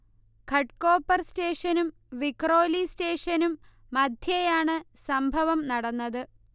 ഘട്കോപർ സ്റ്റേഷനും വിഖ്രോലി സ്റ്റേഷനും മധ്യേയാണ് സംഭവം നടന്നത്